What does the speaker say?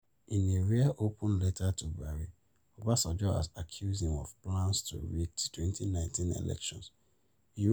In a rare open letter to Buhari, Obasanjo has accused him of plans to rig the 2019 elections. He wrote: